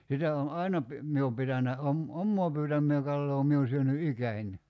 sitä on aina - minä olen pitänyt - omaa pyytämää kalaa minä olen syönyt ikäni